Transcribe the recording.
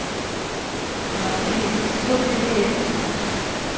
смотреть ну что ты лезешь